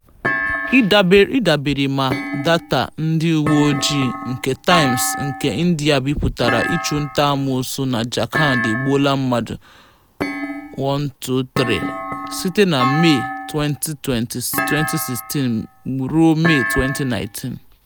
Ịdabere na daata ndị uwe ojii nke Times nke India bipụtara, ịchụnta-amoosu na Jharkhand egbuola mmadụ 123 site na Mee 2016 ruo Mee 2019.